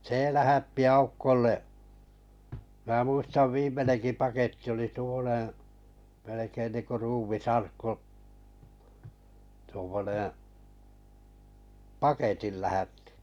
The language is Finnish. se lähetti Aukolle minä muistan viimeinenkin paketti oli tuommoinen melkein niin kuin ruumisarkku tuommoinen paketin lähetti